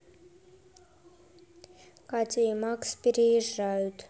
катя и макс переезжают